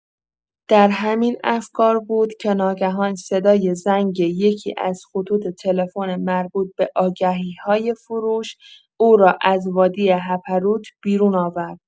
در همین افکار بود که ناگهان صدای زنگ یکی‌از خطوط تلفن مربوط به آگهی‌های فروش، او را از وادی هپروت بیرون آورد.